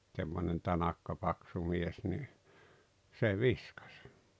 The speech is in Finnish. semmoinen tanakka paksu mies niin se viskasi